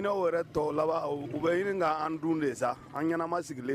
N'aw yɛrɛ tɔ laban u bɛ yiri k an dun de sa an ɲɛnama sigilen